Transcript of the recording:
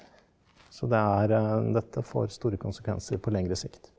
så det er dette får store konsekvenser på lengre sikt.